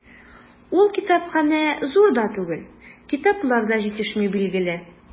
Ул китапханә зур да түгел, китаплар да җитешми, билгеле.